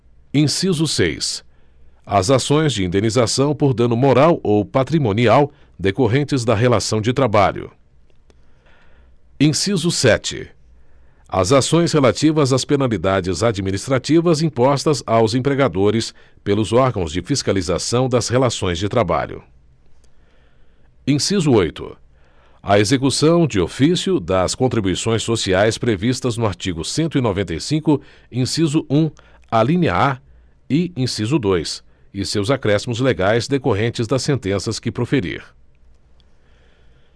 inciso seis as ações de indenização por dano moral ou patrimonial decorrentes da relação de trabalho inciso sete as ações relativas às penalidades administrativas impostas aos empregadores pelos órgãos de fiscalização das relações de trabalho inciso oito a execução de ofício das contribuições sociais previstas no artigo cento e noventa e cinco inciso um alínea a e inciso dois e seus acréscimos legais decorrentes das sentenças que proferir